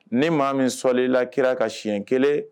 Ne maa min sɔlila Kira kan siɲɛ kelen